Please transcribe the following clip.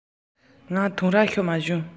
ངའི འཐུང འདོད མེད པའི